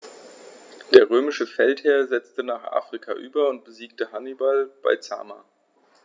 Der römische Feldherr setzte nach Afrika über und besiegte Hannibal bei Zama.